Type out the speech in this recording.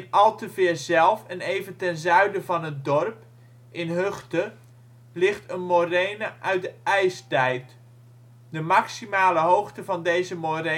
Alteveer zelf en even ten zuiden van het dorp (in Höchte) ligt een morene uit de ijstijd. De maximale hoogte van deze morene